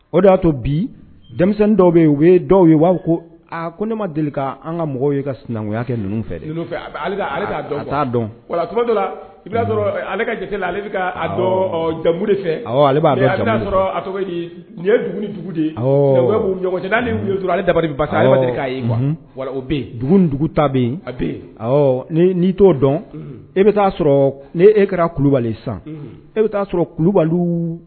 O de y'a to bi denmisɛnnin dɔw bɛ yen we dɔw ye ko a ko ne ma deli k' an ka mɔgɔw ye ka sinankunya kɛ ninnu fɛa t' dɔn la ia ale kajɛ ale dɔn jamumuru de fɛ ale ba sɔrɔ nin ye de ɲɔn da k'a dugu ta a n'i t'o dɔn e bɛ'a sɔrɔ ne e kɛra kulubali san e bɛ'a sɔrɔ kulubali